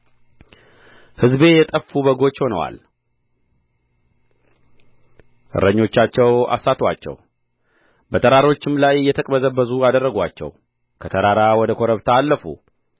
ሕዝቤ የጠፉ በጎች ሆነዋል እረኞቻቸው አሳቱአቸው በተራሮችም ላይ የተቅበዘበዙ አደረጉአቸው ከተራራ ወደ ኮረብታ አለፉ